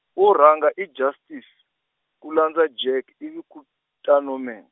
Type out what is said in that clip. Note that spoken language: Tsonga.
wo rhanga i Justice, ku landza Jack ivi ku, ta Norman.